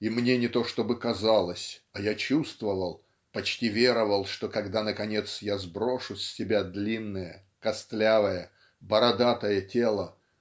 и мне не то чтобы казалось а я чувствовал почти веровал что когда наконец я сброшу с себя длинное костлявое бородатое тело